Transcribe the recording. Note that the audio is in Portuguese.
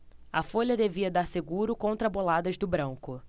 a folha devia dar seguro contra boladas do branco